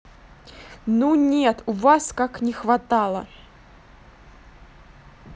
ну нет у вас как не хватало